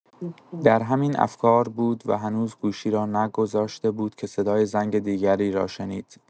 در همین افکار بود و هنوز گوشی را نگذاشته بود که صدای زنگ دیگری را شنید.